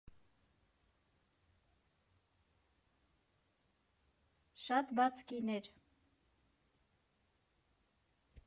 Շատ բաց կին էր։